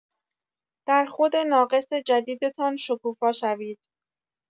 در خود ناقص جدیدتان شکوفا شوید.